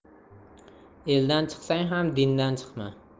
eldan chiqsang ham dindan chiqma